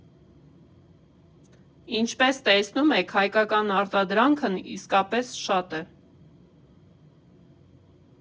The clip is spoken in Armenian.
Ինչպես տեսնում եք, հայկական արտադրանքն իսկապես շատ է։